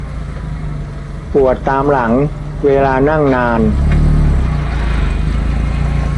ปวดตามหลังเวลานั่งนาน